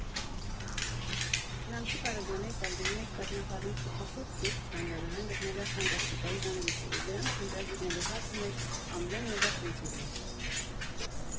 Խնամքի պարագաներ, տակդիրներ, կաթնախառնուրդ, ծխախոտ, սուրճ, բանջարեղեն գտնելը ֆանտաստիկայի ժանրից է, և դրանք փնտրել֊գտնելու հարցը մեր ամեն օրվա խնդիրն է։